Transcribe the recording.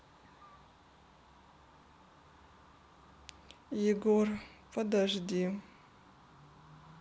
егор подожди